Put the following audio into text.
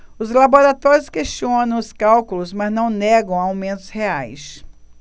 os laboratórios questionam os cálculos mas não negam aumentos reais